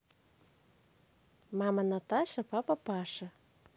мама наташа папа паша